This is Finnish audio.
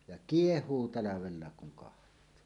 ja kiehuu talvellakin kun katsoo